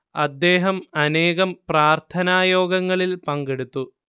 അദ്ദേഹം അനേകം പ്രാർത്ഥനാ യോഗങ്ങളിൽ പങ്കെടുത്തു